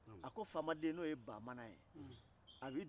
min bɛ a fɔ ko n den i sigi